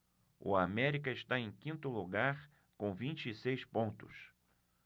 o américa está em quinto lugar com vinte e seis pontos